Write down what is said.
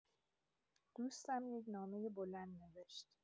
دوستم یک نامۀ بلند نوشت.